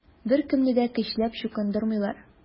Беркемне дә көчләп чукындырмыйлар.